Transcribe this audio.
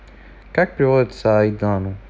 как приводится айдану